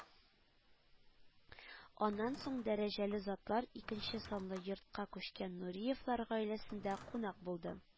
Аннан соң дәрәҗәле затлар икенче санлы йортка күчкән Нуриевлар гаиләсендә кунак булды